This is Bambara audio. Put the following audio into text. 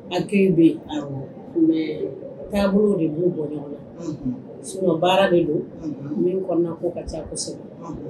Aki bɛ taabolo de b'u bɔ ɲɔgɔn la subaa de don min kɔnɔna ko ka ca kosɛbɛ